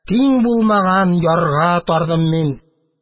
Тиң булмаган ярга тардым мин.